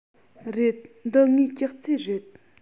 རེད འདི ངའི ཅོག ཙེ རེད